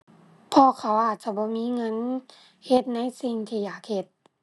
เพราะเขาอาจจะบ่มีเงิน เฮ็ดในสิ่งที่อยากเฮ็ด